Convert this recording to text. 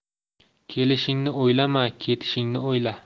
kelishingni o'ylama ketishingni o'yla